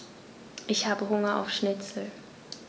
Ich habe Hunger auf Schnitzel.